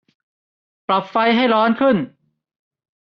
ปรับไฟให้ร้อนขึ้น